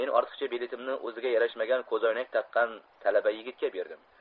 men ortiqcha biletimni o'ziga yarashmagan ko'zoynak taqqan talaba yigitga berdim